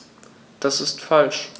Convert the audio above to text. Das ist falsch.